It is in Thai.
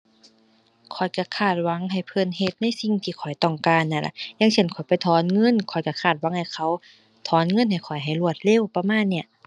ข้อยก็คาดหวังให้เพิ่นเฮ็ดในสิ่งที่ข้อยต้องการนั่นล่ะ อย่างเช่นข้อยไปถอนเงิน ข้อยก็คาดหวังให้เขาถอนเงินให้ข้อยให้รวดเร็วประมาณเนี้ย